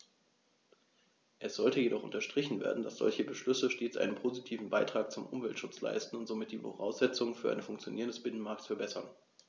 Es sollte jedoch unterstrichen werden, dass solche Beschlüsse stets einen positiven Beitrag zum Umweltschutz leisten und somit die Voraussetzungen für ein Funktionieren des Binnenmarktes verbessern.